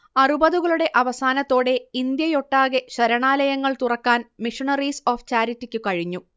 അറുപതുകളുടെ അവസാനത്തോടെ ഇന്ത്യയൊട്ടാകെ ശരണാലയങ്ങൾ തുറക്കാൻ മിഷണറീസ് ഓഫ് ചാരിറ്റിക്ക് കഴിഞ്ഞു